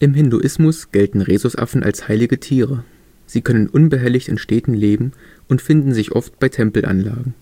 Hinduismus gelten Rhesusaffen als heilige Tiere. Sie können unbehelligt in Städten leben und finden sich oft bei Tempelanlagen.